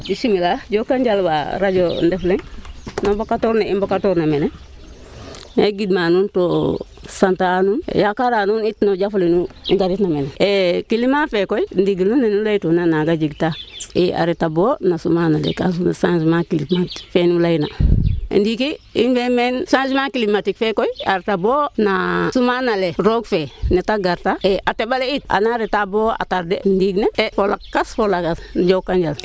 bisimilah